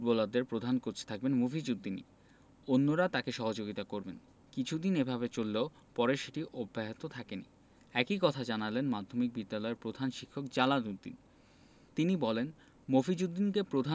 আগের মতো কলসিন্দুরের দুই বিদ্যালয়ের ফুটবলারদের প্রধান কোচ থাকবেন মফিজ উদ্দিনই অন্যরা তাঁকে সহযোগিতা করবেন কিছুদিন এভাবে চললেও পরে সেটি অব্যাহত থাকেনি একই কথা জানালেন মাধ্যমিক বিদ্যালয়ের প্রধান শিক্ষক জালাল উদ্দিন